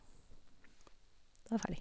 Da er jeg ferdig.